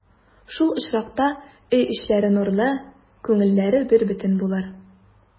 Шул очракта өй эчләре нурлы, күңелләре бербөтен булыр.